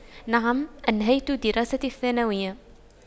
نعم أنهيت دراستي الثانوية